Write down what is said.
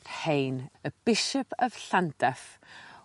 rhein y bishop of Llandaf.